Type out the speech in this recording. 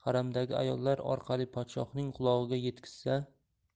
haramdagi ayollar orqali podshohning qulog'iga yetkazsa